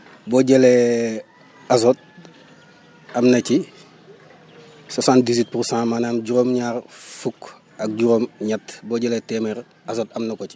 boo jëlee azote am na ci soixante dix huit pour cent maanaam juróom-ñaar fukk ak juróom-ñett boo jëlee téeméer azote am na ko ci